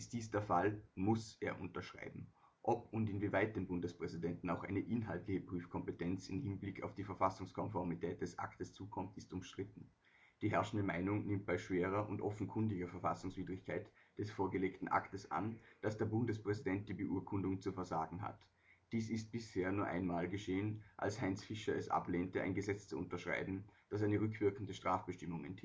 dies der Fall, muss er unterschreiben. Ob und inwieweit dem Bundespräsidenten auch eine inhaltliche Prüfkompetenz im Hinblick auf die Verfassungskonformität des Aktes zukommt, ist umstritten. Die herrschende Meinung nimmt bei schwerer und offenkundiger Verfassungswidrigkeit des vorgelegten Aktes an, dass der Bundespräsident die Beurkundung zu versagen hat. Dies ist bisher nur einmal geschehen, als Heinz Fischer es ablehnte ein Gesetz zu unterschreiben, das eine rückwirkende Strafbestimmung